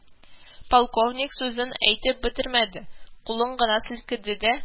Полковник сүзен әйтеп бетермәде, кулын гына селкеде дә